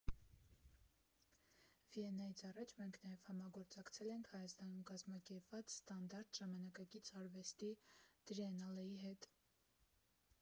Վիեննայից առաջ մենք նաև համագործակցել ենք Հայաստանում կազմակերպված ՍՏԱՆԴԱՐՏ ժամանակակից արվեստի տրիենալեի հետ։